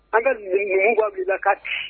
An bɛ numuw bɔ